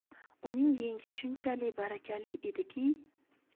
uning yengi shunchali barakali ediki